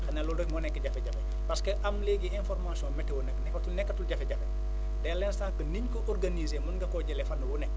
xanaa loolu rek moo nekk jafe-jafe parce que am léegi information météo nag nekkatul nekkatul jafe-jafe dès l' instant que ni ñu ko organiser mun nga koo jëlee fànn wu nekk